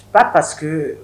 A paseke